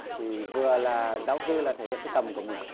thì vừa là giáo sư là thể hiện cái tầm của mình